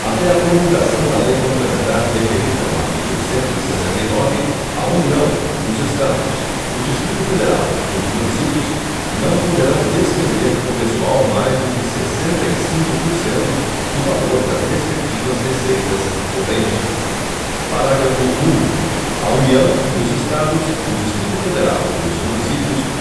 até a promulgação da lei complementar referida no artigo cento e sessenta e nove a união os estados o distrito federal e os municípios não poderão despender com pessoal mais do que sessenta e cinco por cento do valor das respectivas receitas correntes parágrafo único a união os estados o distrito federal e os municípios